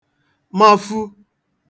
mafu